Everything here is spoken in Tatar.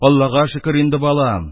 Аллага шөкер инде, балам!..